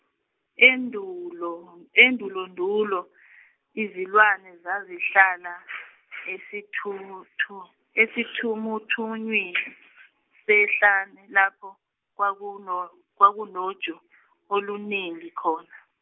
Endulo- Endulondulo , izilwane zazihlala , esithumuthu- , esithumuthunywini sehlathi lapho, kwakuno- kwakunoju oluningi khona.